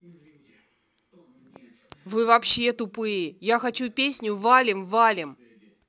вы вообще тупые я хочу песню валим валим